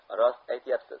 rost aytasiz